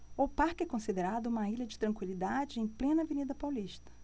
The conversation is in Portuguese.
o parque é considerado uma ilha de tranquilidade em plena avenida paulista